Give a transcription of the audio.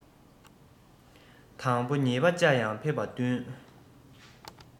དང པོ ཉེས པ བཅའ ཡང ཕེབས དང བསྟུན